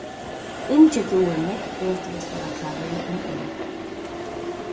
ingi dugir nógv betur at spæla klaver enn eg